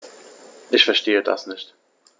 Ich verstehe das nicht.